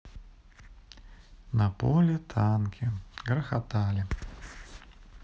на поле танки грохотали